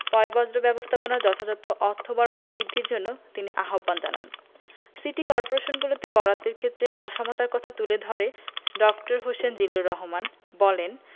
পয়ঃবর্জ্য ব্যবস্থাপনায় যথাযথ অর্থ বরাদ্দ বৃদ্ধির জন্য তিনি আহ্বান জানান সিটি করপোরেশনগুলোতে বরাদ্দের ক্ষেত্রে অসমতার কথা তুলে ধরে ড. হোসেন জিল্লুর রহমান বলেন